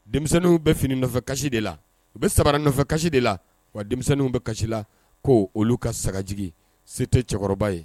Denmisɛnninw bɛ fini nɔfɛ kasi de la, u bɛ samara nɔfɛ kasi de l, a wa denmisɛnninw bɛ kasi la ko olu ka sagajigi se tɛ cɛkɔrɔba ye.